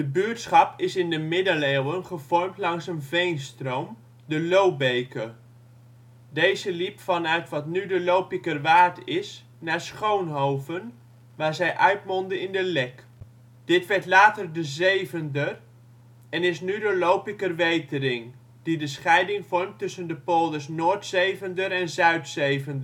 buurtschap is in de Middeleeuwen gevormd langs een veenstroom, de Lobeke. Deze liep vanuit wat nu de Lopikerwaard is naar Schoonhoven, waar zij uitmondde in de Lek. Dit werd later de Zevender en is nu de Lopiker Wetering, die de scheiding vormt tussen de polders Noord-Zevender en Zuid-Zevender. De